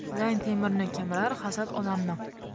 zang temirni kemirar hasad odamni